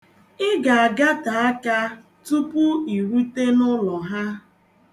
Ị ga- agate aka tupu irute n'ụlọ ha.